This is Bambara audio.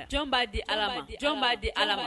Jɔn b'a di jɔn b'a di ala ma